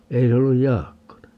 ei se ollut Jaakkonen